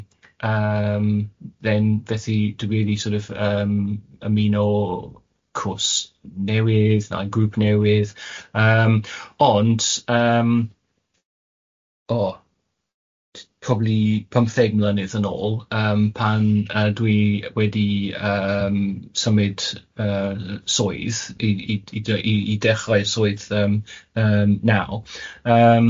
yym then felly dwi rili sort of yym ymuno cws newydd na grŵp newydd yym ond yym o probably pymtheg mlynedd yn ôl yym pan yy dwi wedi yym symud yy swydd i i i de- i i dechrau swydd yym yym naw yym,